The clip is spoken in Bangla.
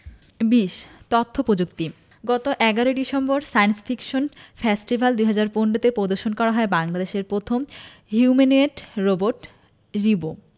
২০ তথ্য প্রযুক্তি গত ১১ই ডিসেম্বর সায়েন্স ফিকশন ফেস্টিভ্যাল ২০১৫ তে প্রদর্শন করা হয় বাংলাদেশের পথম হিউম্যানোয়েড রোবট রিবো